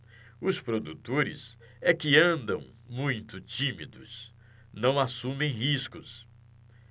os produtores é que andam muito tímidos não assumem riscos